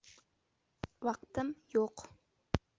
vaqtim yo'q